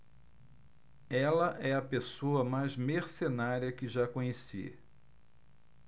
ela é a pessoa mais mercenária que já conheci